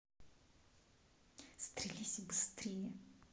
стреляйся быстрей